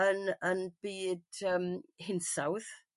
yn yn byd yym hinsawdd.